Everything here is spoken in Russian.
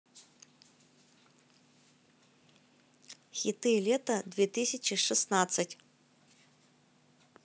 хиты лета две тысячи шестнадцать